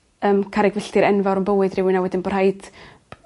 yym carreg filltir enfawr yn bywyd rhywun a wedyn bo' rhaid